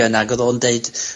...yna ag odd o'n deud